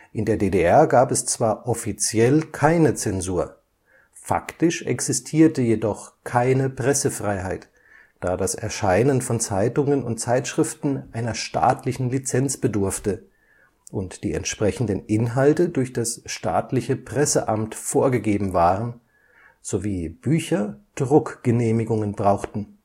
In der DDR gab es zwar offiziell keine Zensur, faktisch existierte jedoch keine Pressefreiheit, da das Erscheinen von Zeitungen und Zeitschriften einer staatlichen Lizenz bedurfte und die entsprechenden Inhalte durch das staatliche Presseamt vorgegeben waren sowie Bücher Druckgenehmigungen brauchten